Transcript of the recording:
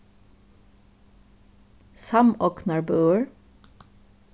samognarbøur